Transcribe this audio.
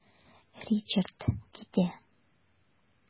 Ричард китә.